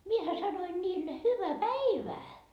minähän sanoin niille hyvää päivää